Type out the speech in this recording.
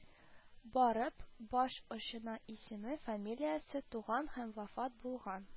Барып, баш очына исеме, фамилиясе, туган һәм вафат булган